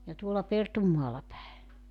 ja tuolla Pertunmaalla päin